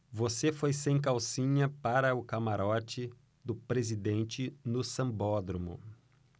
você foi sem calcinha para o camarote do presidente no sambódromo